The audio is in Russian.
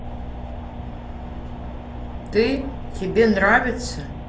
ты тебе нравится